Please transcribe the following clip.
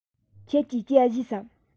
ཁྱེད ཀྱིས ཇ བཞེས སམ